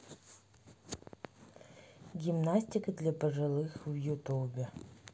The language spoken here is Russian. гимнастика для пожилых в ютубе